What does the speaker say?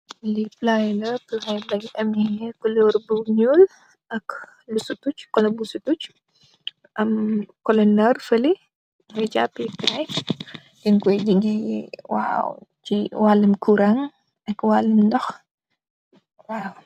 Lii falaaye la, falaaye baa ngi amee kuloor bu ñuul ak koloo bu sukuge, am koloo noor fële, lii jápé kaay, waaw ci waalum kurang ak waalum ndox.